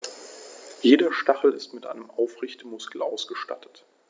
Jeder Stachel ist mit einem Aufrichtemuskel ausgestattet.